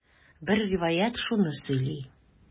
Бер риваять шуны сөйли.